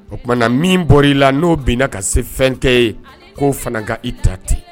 O t tumaumana na min bɔra i la n'o binna ka se fɛn kɛ ye k'o fana ka i ta ten